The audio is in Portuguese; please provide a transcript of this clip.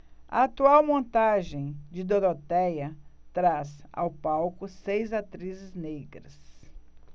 a atual montagem de dorotéia traz ao palco seis atrizes negras